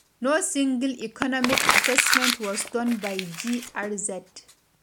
No single economic assessment was done by GRZ!